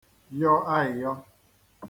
yọ aịyọ